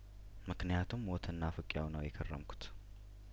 ምክንያቱም ሞትንናፍቄው ነው የከረም ኩት